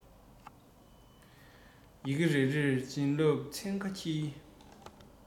ཡི གེ རེ རེར བྱིན རླབས ཚན ཁ འཁྱིལ